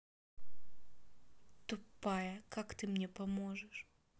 тупая как ты мне поможешь